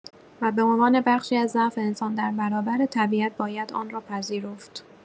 و به عنوان بخشی از ضعف انسان در برابر طبیعت باید آن را پذیرفت؟